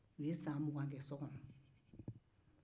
u ye san mugan ke so kɔnɔ